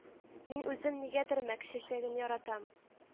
Мин үзем нигәдер мәк чәчәген яратам